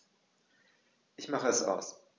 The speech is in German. Ich mache es aus.